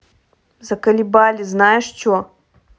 заколебали знаешь че